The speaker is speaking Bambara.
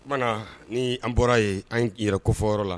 Oumana na ni an bɔra ye an yɛrɛ kofɔyɔrɔ la